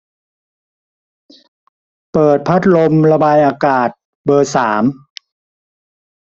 เปิดพัดลมระบายอากาศเบอร์สาม